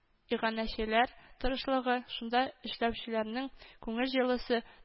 Иганәчеләр тырышлыгы, шунда эшләүчеләрнең күңел җылысы